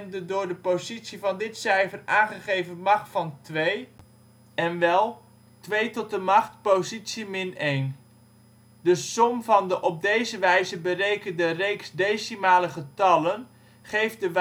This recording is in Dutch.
de door de positie van dit cijfer aangegeven macht van twee, en wel: 2positie - 1. De som van de op deze wijze berekende reeks decimale getallen geeft de